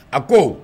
A ko